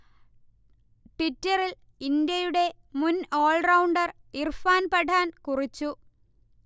ട്വിറ്ററിൽ ഇന്ത്യയുടെ മുൻ ഓൾറൗണ്ടർ ഇർഫാൻ പഠാൻ കുറിച്ചു